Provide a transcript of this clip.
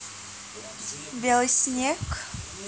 белый снег